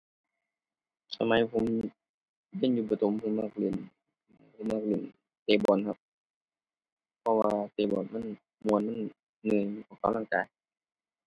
สมัยผมยังอยู่ประถมผมมักเล่น ผมมักเล่นเตะบอลครับ เพราะว่าเตะบอลมันม่วน มันเมื่อย มันออกกำลังกาย